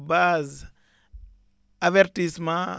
base avertissement